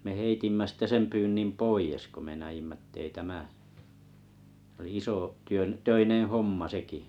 me heitimme sitten sen pyynnin pois kun me näimme että ei tämä se oli iso työn töinen homma sekin